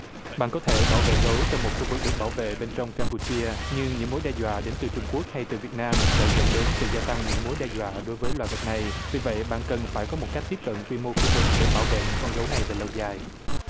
bạn có thể bảo vệ gấu trong một khu vực được bảo vệ bên trong cam pu chia như những mối đe dọa đến từ trung quốc hay từ việt nam sẽ dẫn đến sự gia tăng những mối đe dọa đối với loài vật này vì vậy bạn cần phải có một cách tiếp cận quy mô khu vực để bảo vệ những con gấu này về lâu dài